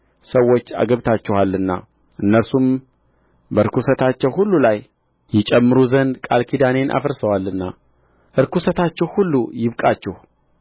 ሰዎች አግብታችኋልና እነርሱም በርኵሰታችሁ ሁሉ ላይ ይጨመሩ ዘንድ ቃል ኪዳኔን አፍርሰዋልና ርኵሰታችሁ ሁሉ ይብቃችሁ